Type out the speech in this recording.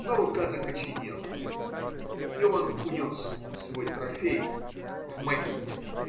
Но рука закоченела, и он унес свой трофей в могилу.